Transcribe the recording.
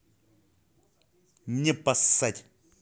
мне посать